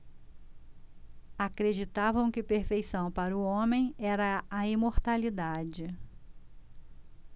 acreditavam que perfeição para o homem era a imortalidade